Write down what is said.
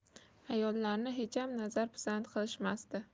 ayollarni hecham nazar pisand qilishmasdi